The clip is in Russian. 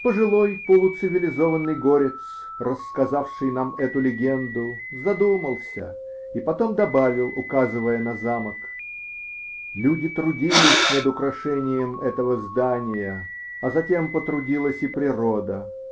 *** Пожилой, полуцивилизованный горец, рассказавший нам эту легенду, задумался и потом добавил, указывая на замок: -- Люди трудились над украшением этого здания, а затем потрудилась и природа.